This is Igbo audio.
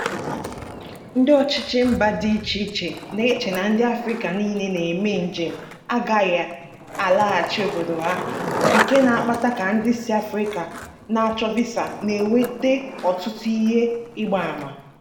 Ndị ọchịchị mba dị icheiche na-eche na ndị Afrịka niile na-eme njem agaghị alaghachi obodo ha, nke na-akpata ka ndị si Afrịka na-achọ visa na-eweta ọtụtụ ihe ịgbaàmà.